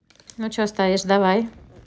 ну че стоишь давай